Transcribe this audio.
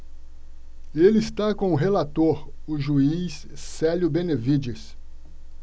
ele está com o relator o juiz célio benevides